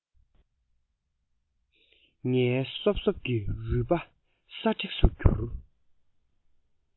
ངའི སོབ སོབ ཀྱི རུས པ སྲ མཁྲེགས སུ གྱུར